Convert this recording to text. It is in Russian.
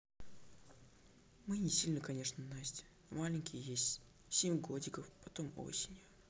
мы не сильно конечно настя маленький есть семь годиков потом будет осень